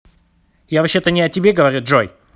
я вообще то не о тебе говорю джой